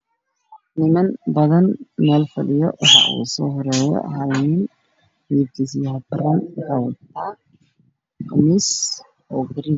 Niman badan meel fadhiyo waxa ugu soo horeeyo hal nin midabkiisa yahay brown wuxuu wataa khamiis oo midabkiisa yahay pi